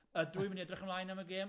Ydw i'n myn' i edrych ymlaen am y gêm?